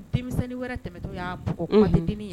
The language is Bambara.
Denmisɛnnin wɛrɛ tɛmɛ y'aden